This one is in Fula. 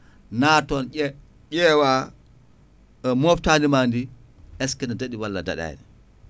nattoon ƴeewa moftadiam ndi est ce que ene daɗi walla daɗani